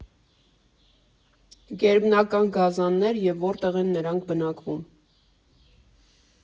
Գերբնական գազաններ, և որտեղ են նրանք բնակվում։